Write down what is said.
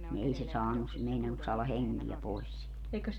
niin ei se saanut meinannut saada henkeä pois siitä